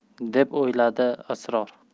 deb uyladi asror